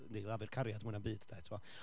yndy yn lafur cariad mwy na'm byd de, tibod.